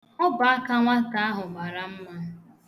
Ọbọaka nwata ahụ mara mma.